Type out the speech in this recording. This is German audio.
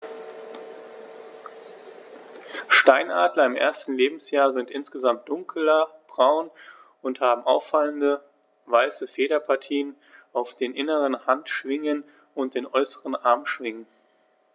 Steinadler im ersten Lebensjahr sind insgesamt dunkler braun und haben auffallende, weiße Federpartien auf den inneren Handschwingen und den äußeren Armschwingen.